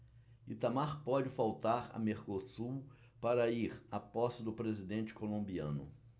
itamar pode faltar a mercosul para ir à posse do presidente colombiano